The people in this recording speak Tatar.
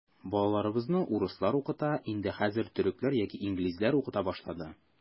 Балаларыбызны урыслар укыта, инде хәзер төрекләр яисә инглизләр укыта башлады.